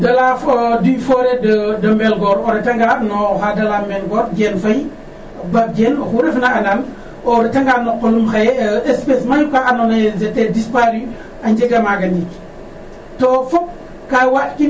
de la du foret de Mbelgoor. O retanga no xa da leya Mbelgoor Jeen Fay, Baab Jeen oxu refna anda naan. O retanga no qolum xaye espece mayu ka andoona yee ils étaient disparu a njega maaga ndiik to fop ka waaɗkin.